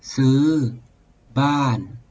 ซื้อบ้าน